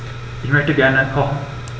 Ich möchte gerne kochen.